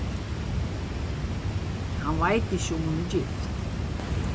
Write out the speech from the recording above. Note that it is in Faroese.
hann veit ikki um hon er gift